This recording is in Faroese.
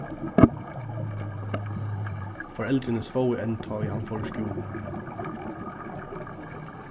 foreldrini svóvu enn tá ið hann fór í skúla